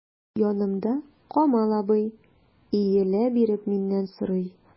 Янымда— Камал абый, иелә биреп миннән сорый.